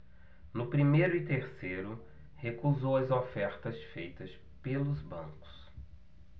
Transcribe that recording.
no primeiro e terceiro recusou as ofertas feitas pelos bancos